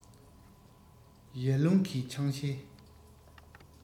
ཡར ཀླུང གིས ཆང གཞས